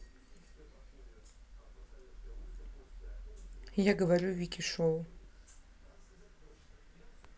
я говорю вики шоу